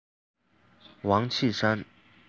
ཝང ཆི ཧྲན